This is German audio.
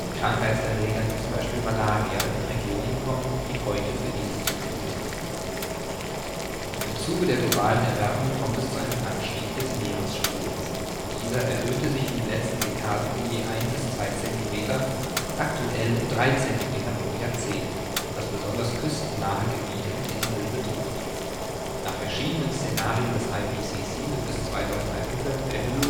zum Beispiel Malaria) in Regionen kommen, die heute für diese zu kühl sind. Im Zuge der globalen Erwärmung kommt es zu einem Anstieg des Meeresspiegels. Dieser erhöhte sich in den letzten Dekaden um je 1-2 cm und aktuell um 3 cm pro Jahrzehnt, was besonders küstennahe Gebiete und Inseln bedroht. Nach verschiedenen Szenarien des IPCC sind bis 2100 Erhöhungen